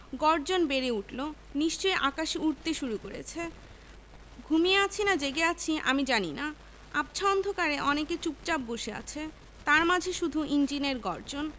গর্জন বেড়ে উঠলো নিশ্চয়ই আকাশে উড়তে শুরু করছে ঘুমিয়ে আছি না জেগে আছি আমি জানি না আবছা অন্ধকারে অনেকে চুপচাপ বসে আছে তার মাঝে শুধু ইঞ্জিনের গর্জন